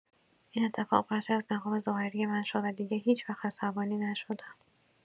این اتفاق بخشی از نقاب ظاهری من شد و دیگه هیچ‌وقت عصبانی نشدم.